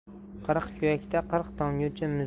qirqkuyakda qirq tomguncha